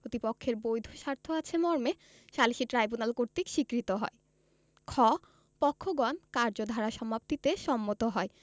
প্রতিপক্ষের বৈধ স্বার্থ আছে মর্মে সালিসী ট্রাইব্যুনাল কর্তৃক স্বীকৃত হয় খ পক্ষগণ কার্যধারা সমাপ্তিতে সম্মত হয়